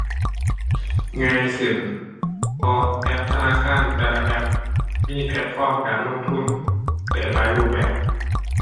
ง่ายขึ้น เพราะแอปธนาคารแต่ละแอปมีแพลตฟอร์มการลงทุนได้หลายรูปแบบ